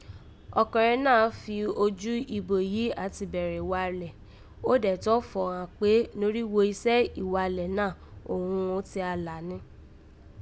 Ọkọ̀nrẹn náà fi ojú ibo yìí á ti bẹ̀rẹ̀ ìwalẹ̀, ó dẹ̀ tọ́n fọ̀ ghán kpé norígho isẹ́ ìwalẹ̀ náà òghun ó ti ra là ni